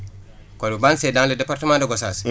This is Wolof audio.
Colobane c' est dans le département de Gosaas